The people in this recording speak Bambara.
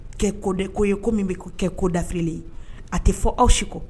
Kɛ kod ko ye ko min bɛ ko kɛ ko dafirilen ye a tɛ fɔ aw si kɔ